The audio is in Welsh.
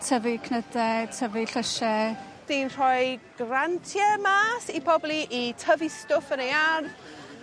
tyfu cnyde tyfu llysie. 'Di'n rhoi grantie mas i pobol i i tyfu stwff yn ei ardd